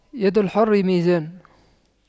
يد الحر ميزان